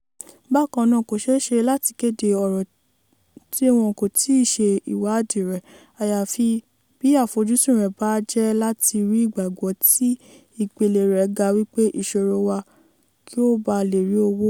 Bákan náà kò ṣeé ṣe láti kéde ọ̀rọ̀ tí wọn kò tíì ṣe ìwádìí rẹ̀, àyàfi bí àfojúsùn rẹ bá jẹ́ láti rí ìgbàgbọ́ tí ìpele rẹ̀ ga wí pé ìṣòro wa kí ó bàa lè rí owó.